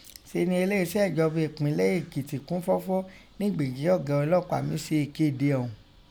Se ni ele eṣẹ ẹ̀jọba ẹ̀pinlẹ Èkìtì kún fọfọ nígbì kín ọga ọlọpaa mí se èkeède ọ̀ún.